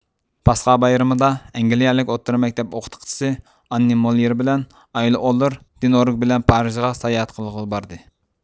پاسخا بايرىمىدا ئەنگلىيىلىك ئوتتۇرا مەكتەپ ئوقۇتقۇچىسى ئاننى مولېيېر بىلەن ئايلېئولور دېنوئورگ بىللە پارىژغا ساياھەت قىلغىلى باردى